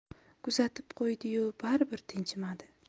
kuzatib qo'ydi yu bari bir tinchimadi